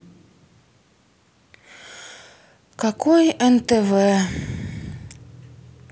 какой нтв